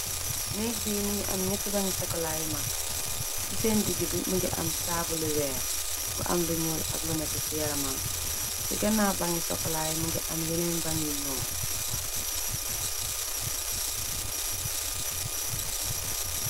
nekk bi mi ngi am ñetti bangi sokolaayu mag ci seen digg bi mi ngi am taabuli weer bu am lu ñuul ak lu neté ci yaramamb ci ganaw bangni sokolaayu mu ngi am yeneen bangi ñoo